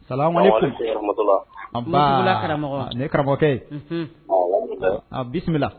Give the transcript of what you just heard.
Sa bala ni karamɔgɔkɛ an bisimila